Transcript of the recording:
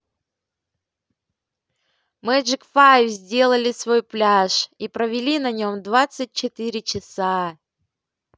magic five сделали свой пляж и провели на нем двадцать четыре часа